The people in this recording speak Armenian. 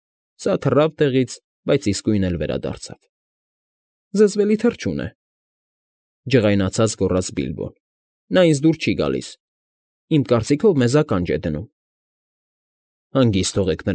Սա թռավ տեղից, բայց իսկույն էլ վերադարձավ։ ֊ Զզվելի թռչուն է,֊ ջղայնացած գոռաց Բիլբոն։֊ Նա ինձ դուր չի գալիս, իմ կարծիքով, մեզ ականջ է դնում։ ֊ Հանգիստ թողեք։